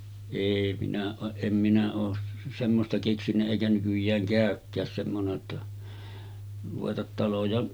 ei minä ole en minä ole semmoista keksinyt eikä nykyään käykään semmoinen jotta ruveta taloja